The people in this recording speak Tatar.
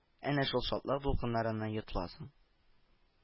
Әнә шул шатлык дулкынларына йотыласың